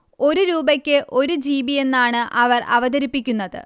ഒരു രൂപയ്ക്ക് ഒരു ജിബിയെന്നാണ് അവർ അവതരിപ്പിക്കുന്നത്